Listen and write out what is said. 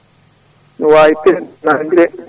ne wawi * nanodire